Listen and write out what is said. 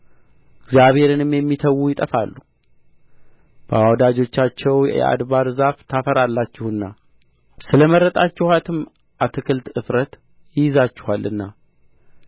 እግዚአብሔርንም የሚተዉ ይጠፋሉ በወደዳችኋት የአድባር ዛፍ ታፍራላችሁና ስለ መረጣችኋትም አትክልት እፍረት ይይዛችኋልና